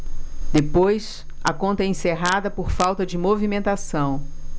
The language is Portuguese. depois a conta é encerrada por falta de movimentação